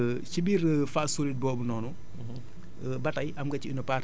mais ci biir phase solide boobu noonu